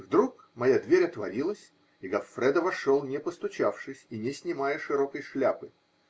вдруг моя дверь отворилась, и Гоффредо вошел, не постучавшись и не снимая широкой шляпы